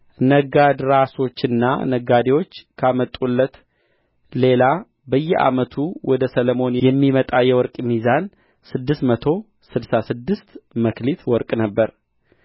ነጋድራሶችና ነጋዴዎች ካመጡለት ሌላ በየዓመቱ ወደ ሰሎሞን የሚመጣ የወርቅ ሚዛን ስድስት መቶ ስድሳ ስድስት መክሊት ወርቅ ነበረ